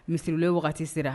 Misiwelen wagati sera.